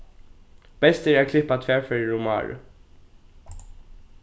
best er at klippa tvær ferðir um árið